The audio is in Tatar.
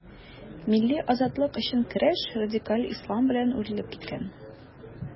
Милли азатлык өчен көрәш радикаль ислам белән үрелеп киткән.